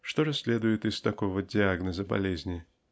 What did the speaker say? Что же следует из такого диагноза болезни?